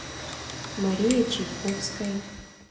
мария чайковская